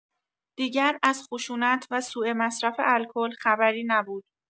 دیگر از خشونت و سوءمصرف الکل خبری نبود.